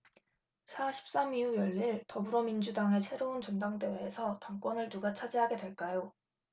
사 십 삼 이후 열릴 더불어민주당의 새로운 전당대회에서 당권을 누가 차지하게 될까요